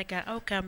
Nka aw ka